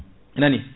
anani